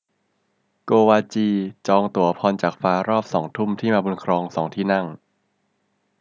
โกวาจีจองตั๋วพรจากฟ้ารอบสองทุ่มที่มาบุญครองสองที่นั่ง